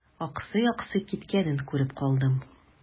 Аксый-аксый киткәнен күреп калдым.